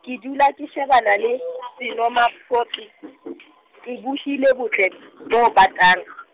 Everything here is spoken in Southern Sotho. ka dula ka shebana le senomaphodi , ke bohile botle , bo batang.